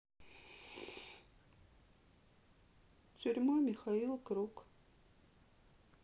тюрьма михаил круг